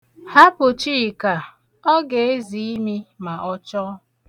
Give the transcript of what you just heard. Hapụ Chika, ọ ga-ezi imi ma ọ chọọ.